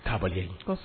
Tabali